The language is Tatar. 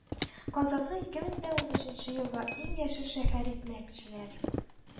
Казанны ике мең дә унөченче елга иң яшел шәһәр итмәкчеләр